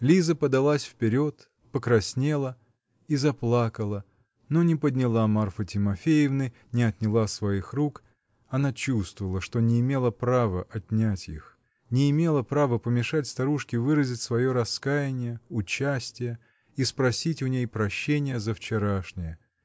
Лиза подалась вперед, покраснела -- и заплакала, но не подняла Марфы Тимофеевны, не отняла своих рук: она чувствовала, что не имела права отнять их, не имела права помешать старушке выразить свое раскаяние, участие, испросить у ней прощение за вчерашнее